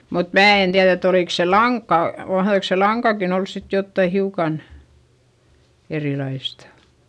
mutta minä en tiedä että olikos se lanka mahtoikos se lankakin olla sitten jotakin hiukan erilaista